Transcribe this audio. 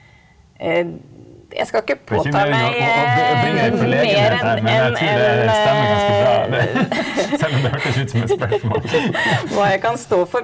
jeg skal ikke påta meg mer enn enn enn hva jeg kan stå for.